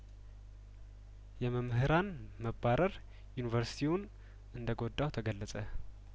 የመምህራን መባረር ዩኒቨርስቲውን እንደጐዳው ተገለጸ